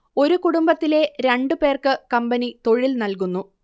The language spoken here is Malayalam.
ഒരു കുടുംബത്തിലെ രണ്ട് പേർക്ക് കമ്പനി തൊഴിൽ നൽകുന്നു